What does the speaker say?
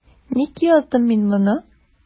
Ник яздым мин моны?